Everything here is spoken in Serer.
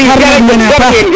jeregen jef